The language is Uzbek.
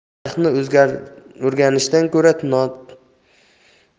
tarixni o'rganishdan ko'ra